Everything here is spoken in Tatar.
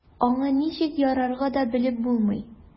Аңа ничек ярарга да белеп булмый.